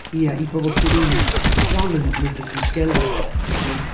Ia, i bobl sy' ddim, ma' bron yn lyfr dirgelwch, ma'n...